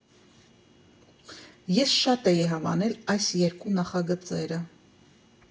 «Ես շատ էի հավանել այս երկու նախագծերը։